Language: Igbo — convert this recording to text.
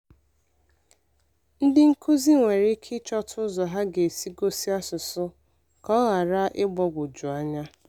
Ndị nkuzi nwere ike ịchọta ụzọ ha ga-esi gosi asụsụ ka ọ ghara ịgbagwoju anya.